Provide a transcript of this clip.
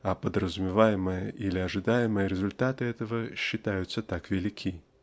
а подразумеваемые или ожидаемые результаты этого считаются так велики.